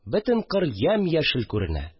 Бөтен кыр ямь-яшел күренә